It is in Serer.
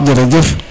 jerjef